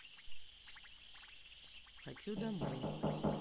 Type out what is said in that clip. хочу домой